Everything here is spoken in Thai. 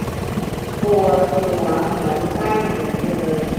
ปวดหัวเหมือนบ้านหมุนเลย